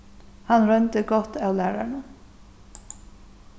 hann royndi gott av læraranum